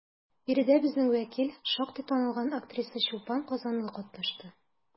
Биредә безнең вәкил, шактый танылган актриса Чулпан Казанлы катнашты.